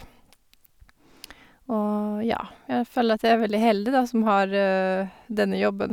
Og, ja, jeg føler at jeg er veldig heldig, da, som har denne jobben.